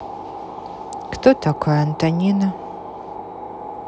кто такая антонина